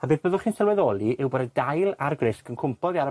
y beth byddwch chi'n sylweddoli, yw bod y dail a'r grysg yn cwmpo ddi ar y